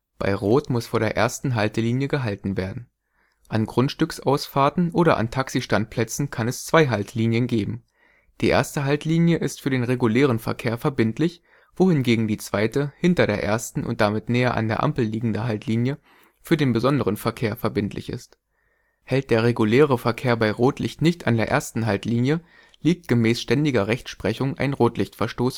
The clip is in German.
Bei Rot muss vor der ersten Haltelinie gehalten werden. An Grundstücksausfahrten oder an Taxistandplätzen kann es zwei Haltlinien geben. Die erste Haltlinie ist für den regulären Verkehr verbindlich, wohingegen die zweite, hinter der ersten und damit näher an der Ampel liegende Haltlinie, für den besonderen Verkehr verbindlich ist. Hält der reguläre Verkehr bei Rotlicht nicht an der ersten Haltlinie, liegt gemäß ständiger Rechtsprechung ein Rotlichtverstoß